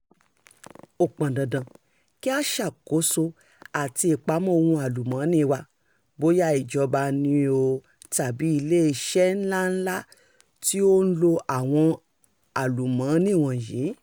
Ó pọn dandan kí a ṣàkóso àti ìpamọ́ ohun àlùmọ́ọ́nì wa, bóyá ìjọba ni o tàbí iléeṣẹ́ ńláńlá tí ó ń lo àwọn àlùmọ́ọ́nì wọ̀nyí.